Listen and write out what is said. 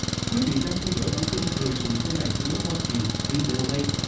quý vị đang theo dõi bản tin thời sự của đài tiếng nói hoa kỳ vi ô ây